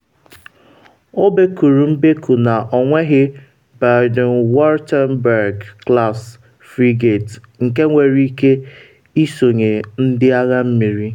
O bekuru mbeku na ọ nweghị Baden-Wuerttemberg-class frigate nke nwere ike isonye Ndị Agha Mmiri.